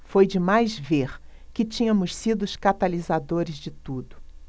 foi demais ver que tínhamos sido os catalisadores de tudo